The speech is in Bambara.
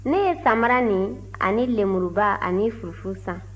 ne ye sabara nin ani lenburuba ani furufuru san